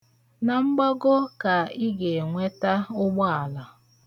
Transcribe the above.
Na mgbago ka ị ga-enweta ụgbaala.